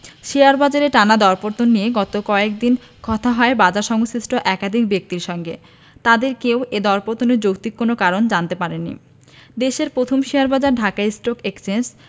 share বাজারের টানা দরপতন নিয়ে গত কয়েক দিনে কথা হয় বাজারসংশ্লিষ্ট একাধিক ব্যক্তির সঙ্গে তাঁদের কেউই এ দরপতনের যৌক্তিক কোনো কারণ জানাতে পারেননি দেশের প্রধান শেয়ারবাজার ঢাকা স্টক এক্সচেঞ্জ